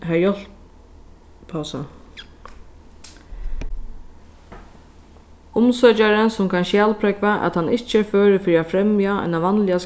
pausa umsøkjari sum kann skjalprógva at hann ikki er førur fyri at fremja eina vanliga